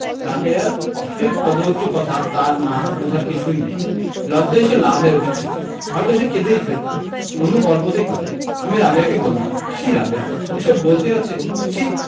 রাবেয়ার অশ্লীল কদৰ্য কথা তার না বুঝার কিছুই নেই লজ্জায় সে লাল হয়ে উঠেছিলো হয়তো সে কেঁদেই ফেলতো রুনু অল্পতেই কাঁদে আমি রাবেয়াকে বললাম ছিঃ রাবেয়া এসব বলতে আছে ছি